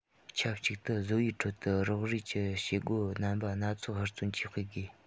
ཆབས ཅིག ཏུ བཟོ པའི ཁྲོད དུ རོགས རེས ཀྱི བྱེད སྒོ རྣམ པ སྣ ཚོགས ཧུར བརྩོན གྱིས སྤེལ དགོས